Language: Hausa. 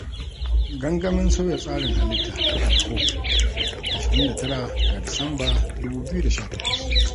Gangamin Sauya Tsarin Halitta a Lahore, 29 ga Disamba, 2018.